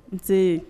Nse.